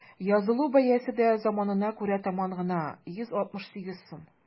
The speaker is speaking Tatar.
Язылу бәясе дә заманына күрә таман гына: 168 сум.